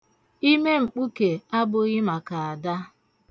Ime mkpuke abụghị maka Ada.